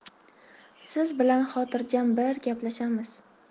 siz bilan xotirjam bi ir gaplashamiz